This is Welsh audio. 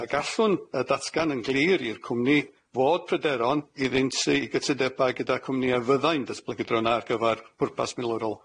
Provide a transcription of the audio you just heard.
Mae gallwn yy datgan yn glir i'r cwmni fod pryderon iddynt i gytudebau gyda cwmnïe fyddai'n datblygu drona ar gyfar pwrpas filwrol